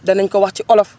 danañ ko wax ci olof